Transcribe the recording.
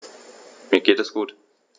Mir geht es gut.